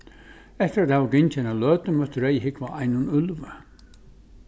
eftir at hava gingið eina løtu møtti reyðhúgva einum úlvi